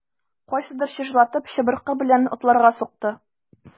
Кайсыдыр чыжлатып чыбыркы белән атларга сукты.